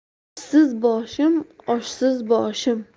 ishsiz boshim oshsiz boshim